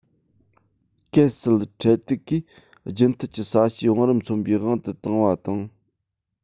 གལ སྲིད འཕྲེད ཐིག གིས རྒྱུན མཐུད ཀྱི ས གཤིས བང རིམ མཚོན པའི དབང དུ བཏང བ དང